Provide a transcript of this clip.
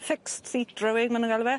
Fixed seat rowing ma' nw'n galw fe.